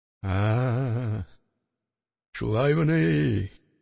Ә, шулаймыни